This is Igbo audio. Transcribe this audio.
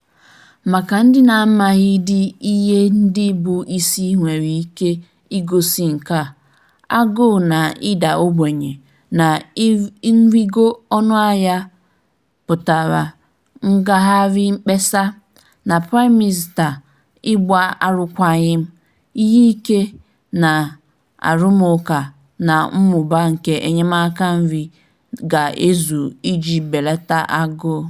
Maka ndị na-amaghịdị ihe ndị bụ isi nwere ike igosị nke a: agụụ + ịda ogbenye + nrịgo ọnụahịa = ngagharị mkpesa + Praịm Mịnịsta ịgba arụkwaghịm + ihe ike, na na-arụmụụka na mmụba nke enyemaka nri ga-ezu iji belata agụụ.